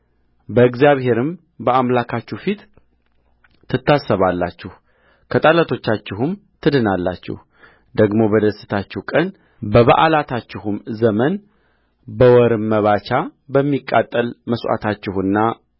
በእግዚአብሔርም በአምላካችሁ ፊት ትታሰባላችሁ ከጠላቶቻችሁም ትድናላችሁደግሞ በደስታችሁ ቀን በበዓላታችሁም ዘመን በወርም መባቻ በሚቃጠል መሥዋዕታችሁና